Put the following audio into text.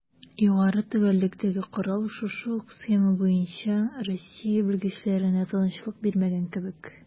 Югары төгәллектәге корал шушы ук схема буенча Россия белгечләренә тынычлык бирмәгән кебек: